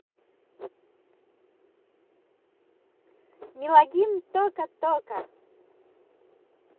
милагин тока тока